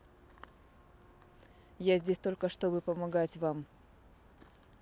я здесь только чтобы помогать вам